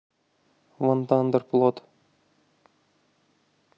wartander плот